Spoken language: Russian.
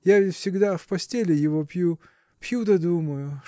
я ведь всегда в постеле его пью – пью да думаю